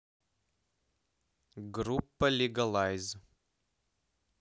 группа лигалайз